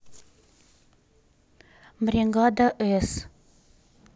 бригада с